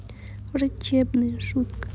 врачебная шутка